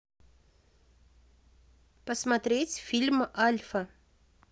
посмотреть фильм альфа